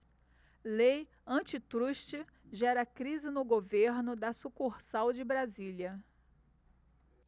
lei antitruste gera crise no governo da sucursal de brasília